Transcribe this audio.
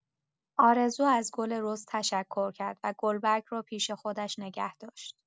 آرزو از گل رز تشکر کرد و گلبرگ رو پیش خودش نگه داشت.